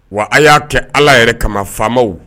Wa a y'a kɛ Ala yɛrɛ kama faamaw